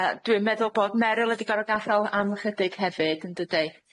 Yy dwi'n meddwl bod Meryl di gorod gadal am ychydig hefyd yndydi?